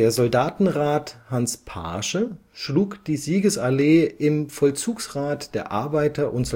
Soldatenrat Hans Paasche schlug die Siegesallee im Vollzugsrat der Arbeiter - und